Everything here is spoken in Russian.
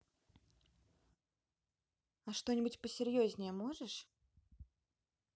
а что нибудь посерьезнее можешь